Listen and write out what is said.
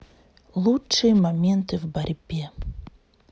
лучшие моменты в борьбе